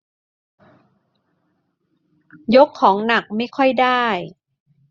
ยกของหนักไม่ค่อยได้